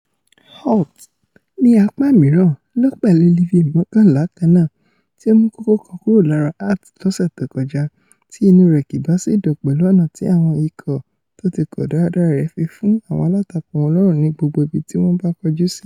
Holt, ní apá mìíràn, lọ pẹ̀lú Livi mọ́kànlá kannáà tí ó mú kókó kan kúró lára Hearts lọ́sẹ̀ tókọjá tí inú rẹ̀ kì bá sì dùn pẹ̀lú ọ̀nà tí àwọn ikọ̀ tótikọ́ dáradára rẹ̀ fi fún àwọn alátakò wọn lọ́rùn ní gbogbo ibiti wọ́n bá kọjú sí.